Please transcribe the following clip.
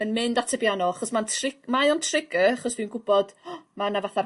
yn mynd at y biano achos ma'n trig- mae o'n trigger achos dwi'n gwbod ho ma' 'na fatha